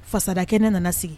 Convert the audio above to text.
Fasada kɛnɛ nana sigi